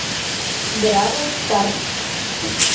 бравл старз